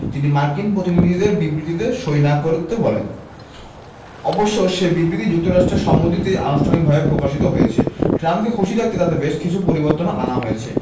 তিনি মার্কিন প্রতিনিধিদের বিবৃতিতে সই না করতে বলেন অবশ্য সে বিবৃতি যুক্তরাষ্ট্রের সম্মতিতেই আনুষ্ঠানিকভাবে প্রকাশিত হয়েছে ট্রাম্পকে খুশি রাখতে তাতে বেশ কিছু পরিবর্তনও আনা হয়েছে